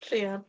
Druan.